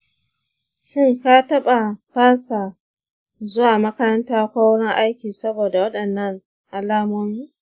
shin ka taɓa fasa zuwa makaranta ko wurin aikin sobada waɗannan alamomin?